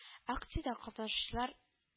Акциядә катнашучылар